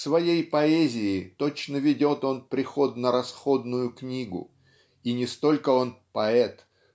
Своей поэзии точно ведет он приходо-расходную книгу и не столько он поэт